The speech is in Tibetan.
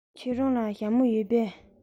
ཁྱེད རང ལ ཞྭ མོ ཡོད པས